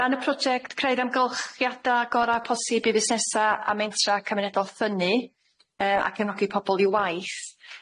O ran y project creu'r amgylchiada' gora' posib i fusnesa' a mentra cymunedol ffynnu yy a cefnogi pobol i waith,